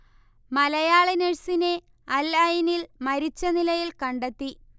മലയാളി നഴ്സിനെ അൽഐനിൽ മരിച്ച നിലയിൽ കണ്ടെത്തി